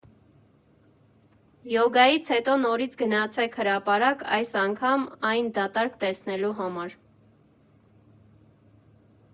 Յոգայից հետո նորից գնացեք հրապարակ, այս անգամ այն դատարկ տեսնելու համար։